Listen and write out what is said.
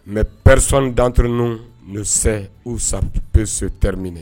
Mɛ pereressi dantrw se uu san p peereso 1ri minɛ